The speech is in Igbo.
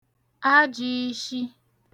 ajīishi